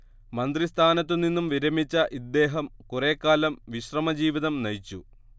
മന്ത്രിസ്ഥാനത്തുനിന്നും വിരമിച്ച ഇദ്ദേഹം കുറേക്കാലം വിശ്രമജീവിതം നയിച്ചു